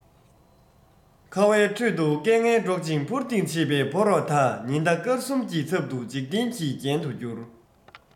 ཁ བའི ཁྲོད དུ སྐད ངན སྒྲོག ཅིང འཕུར ལྡིང བྱེད བའི ཕོ རོག དག ཉི ཟླ སྐར གསུམ གྱི ཚབ ཏུ འཇིག རྟེན གྱི རྒྱན དུ གྱུར